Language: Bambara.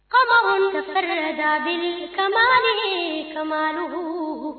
Faamatigɛ ja katigi kadugu